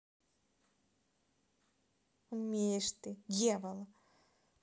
умеешь ты дьявола